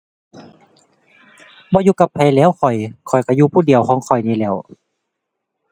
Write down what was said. บ่อยู่กับไผแหล้วข้อย ข้อยก็อยู่ผู้เดียวของข้อยนี่แหล้ว